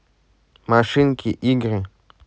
машинки игры